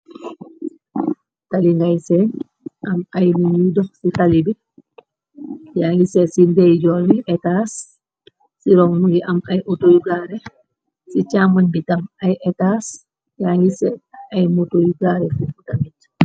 Taali ngay sen, am ay ni ñuy dox ci taali bi yaa ngi sen ci ndey joor bi étaas ci ron mungi am ay auto yu gaare. Ci chammañ bitam ay étaas ya ngi sen ay mouto yu gaare bu butanit.